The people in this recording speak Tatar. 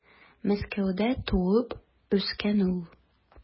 Мәскәүдә туып үскән ул.